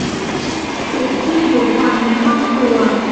ปิดที่ดูดควันในห้องครัว